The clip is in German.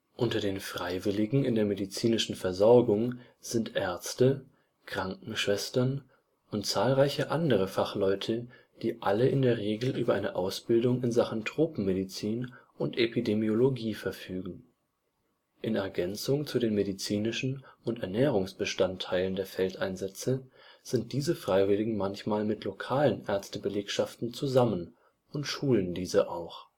Unter den Freiwilligen in der medizinischen Versorgung sind Ärzte, Krankenschwestern und zahlreiche andere Fachleute, die alle in der Regel über eine Ausbildung in Sachen Tropenmedizin und Epidemiologie verfügen. In Ergänzung zu den medizinischen und Ernährungsbestandteilen der Feldeinsätze sind diese Freiwilligen manchmal mit lokalen Ärzte-Belegschaften zusammen und schulen diese auch